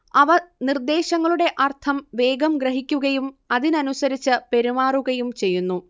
അവ നിർദ്ദേശങ്ങളുടെ അർത്ഥം വേഗം ഗ്രഹിക്കുകയും അതിനനുസരിച്ച് പെരുമാറുകയും ചെയ്യുന്നു